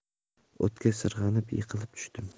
o'tga sirg'anib yiqilib tushdim